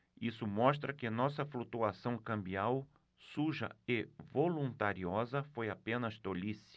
isso mostra que nossa flutuação cambial suja e voluntariosa foi apenas tolice